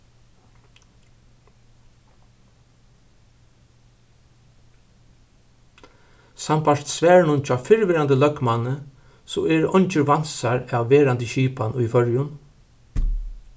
sambært svarinum hjá fyrrverandi løgmanni so eru eingir vansar av verandi skipan í føroyum